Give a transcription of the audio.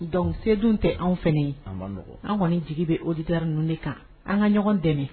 Dɔnku sedon tɛ an fana ye an kɔni jigi bɛ odidarar ninnuun de kan an ka ɲɔgɔn dɛmɛ